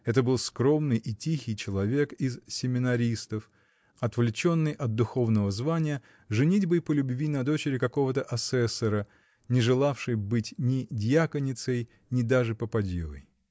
Это был скромный и тихий человек из семинаристов, отвлеченный от духовного звания женитьбой по любви на дочери какого-то асессора, не желавшей быть ни дьяконицей, ни даже попадьей.